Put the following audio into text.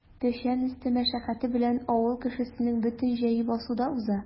Печән өсте мәшәкате белән авыл кешесенең бөтен җәе басуда уза.